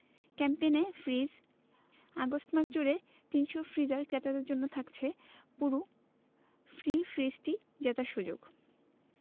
ক্যাম্পেইনে fridge August মাস জুড়ে ৩০০ ফ্রিজার ক্রেতাদের জন্য থাকছে পুরো ফ্রি ফ্রিজ জেতার সুযোগ